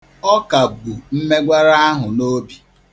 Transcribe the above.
Ọ ka bu mmegwara ahụ n'obi.